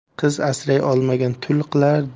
qiz asray olmagan tul qilar